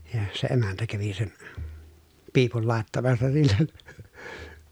ja se emäntä kävi sen piipun laittamassa sille